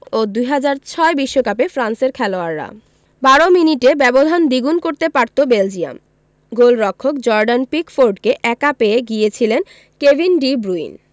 ও ২০০৬ বিশ্বকাপে ফ্রান্সের খেলোয়াড়রা ১২ মিনিটে ব্যবধান দ্বিগুণ করতে পারত বেলজিয়াম গোলরক্ষক জর্ডান পিকফোর্ডকে একা পেয়ে গিয়েছিলেন কেভিন ডি ব্রুইন